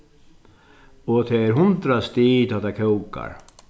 og tað er hundrað stig tá ið tað kókar